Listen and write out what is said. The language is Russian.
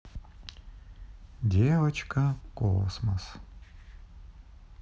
девочка космос